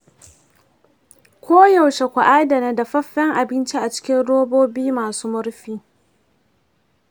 koyaushe ku adana dafaffen abinci a cikin robobi masu murfi.